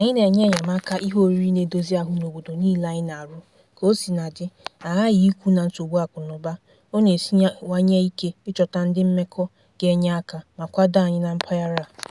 Anyị na-enye enyemaka ihe oriri na-edozi ahụ n'obodo niile anyị na-arụ, kaosinadị, a ghaghị ikwu na nsogbu akụnaụba, ọ na-esiwanye ike ịchọta ndị mmekọ ga-enye aka ma kwado anyị na mpaghara a.